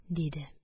Диде